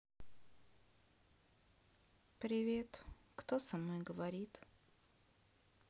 привет кто со мной говорит